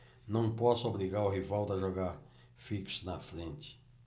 não posso obrigar o rivaldo a jogar fixo na frente